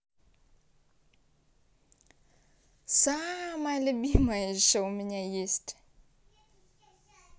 самая любимая еще у меня есть